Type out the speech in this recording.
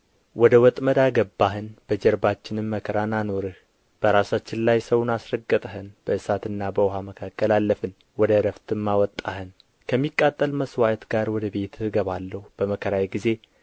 ወደ ወጥመድ አገባኸን በጀርባችንም መከራን አኖርህ በራሳችን ላይ ሰውን አስረገጥኸን በእሳትና በውኃ መካከል አለፍን ወደ ዕረፍትም አወጣኸን ከሚቃጠል መሥዋዕት ጋር ወደ ቤትህ እገባለሁ በመከራዬ ጊዜ